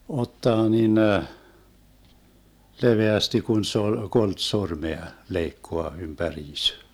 ottaa niin leveästi kun se oli kolme sormea leikkaa ympäriinsä